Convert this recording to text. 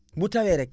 bu tawee rek